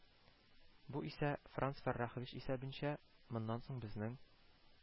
Бу исә, франц фәррәхович исәбенчә, моннан соң безнең